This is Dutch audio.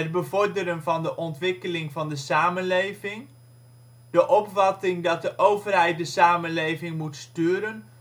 bevorderen van de ontwikkeling van de samenleving. De opvatting dat de overheid de samenleving moet sturen